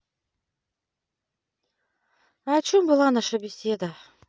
а о чем была наша беседа